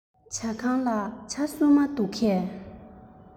ཟ ཁང ལ ཇ སྲུབས མ འདུག གས